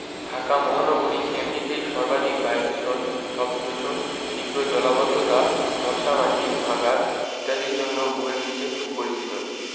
ঢাকা মহানগরী এমনিতেই সর্বাধিক বায়ুদূষণ শব্দদূষণ তীব্র জলাবদ্ধতা মশা মাছির ভাঁগাড় ইত্যাদির জন্য বহির্বিশ্বে সুপরিচিত